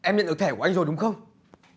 em nhận được thẻ của anh rồi dúng không